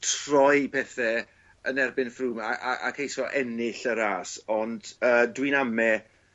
troi pethe yn erbyn Froome a a a ceisio ennill y rass ond yy dwi'n ame